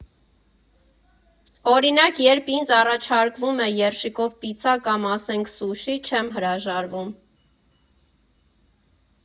Օրինակ, երբ ինձ առաջարկվում է երշիկով պիցցա կամ ասենք՝ սուշի, չեմ հրաժարվում։